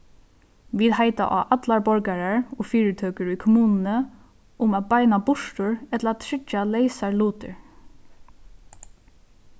vit heita á allar borgarar og fyritøkur í kommununi um at beina burtur ella tryggja leysar lutir